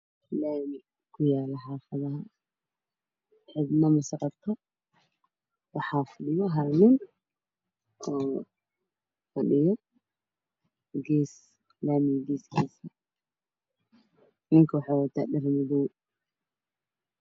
Waxaa ii muuqda laami kalarkiisu yahay midow guri ayaa ku yaalla geystaha nin ayaa fadhiya wato dhar madow